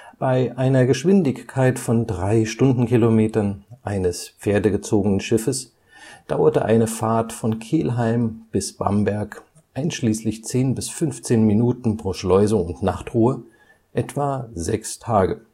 Bei einer Geschwindigkeit von 3 km/h eines pferdegezogenen Schiffes dauerte eine Fahrt von Kelheim bis Bamberg, einschließlich 10 bis 15 Minuten pro Schleusung und Nachtruhe, etwa sechs Tage